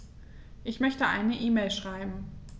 Ich möchte eine E-Mail schreiben.